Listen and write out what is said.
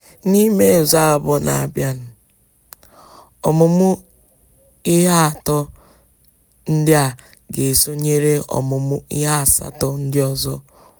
N'ime izu abụọ na-abịanụ, ọmụmụ ihe atọ ndị a ga-esonyere ọmụmụ ihe asatọ ndị ọzọ.